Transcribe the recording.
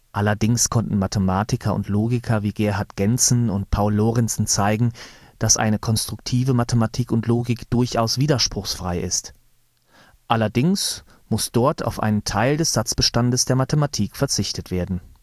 Allerdings konnten Mathematiker und Logiker wie Gerhard Gentzen und Paul Lorenzen zeigen, dass eine konstruktive Mathematik und Logik durchaus widerspruchsfrei ist. Allerdings muss dort auf einen Teil des Satzbestandes der Mathematik verzichtet werden